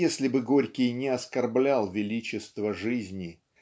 если бы Горький не оскорблял величества жизни